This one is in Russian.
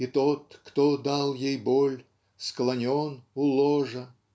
И тот, Кто дал ей боль, склонен у ложа, .